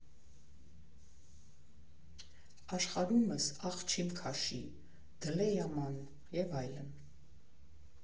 «Աշխարհումս ախ չիմ քաշի», «Դլե յաման» և այլն։